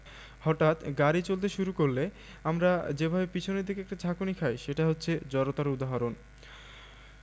হঠাৎ গাড়ি চলতে শুরু করলে আমরা যেভাবে পেছনের দিকে একটা ঝাঁকুনি খাই সেটা হচ্ছে জড়তার উদাহরণ